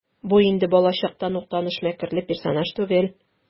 Бу инде балачактан ук таныш мәкерле персонаж түгел.